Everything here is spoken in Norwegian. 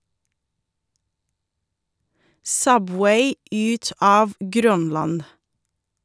Subway ut av Grønland!